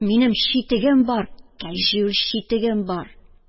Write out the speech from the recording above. Минем читегем бар, кәҗүл читегем бар!